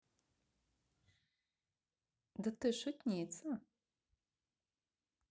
да ты шутница